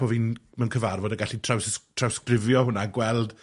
bo' fi'n, mewn cyfarfod y' gallu traws- trawsgrifio hwnna, gweld